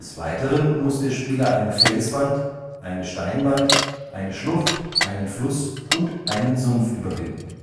Weiteren muss der Spieler eine Felswand, eine Steinwand, eine Schlucht, einen Fluss und einen Sumpf überwinden